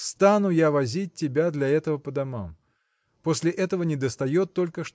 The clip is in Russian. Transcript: стану я возить тебя для этого по домам! После этого недостает только